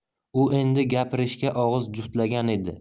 u endi gapirishga og'iz juftlagan edi